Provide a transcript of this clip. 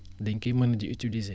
dañ koy mën di utiliser